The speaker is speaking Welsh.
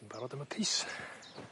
dwi'n barod am y pys.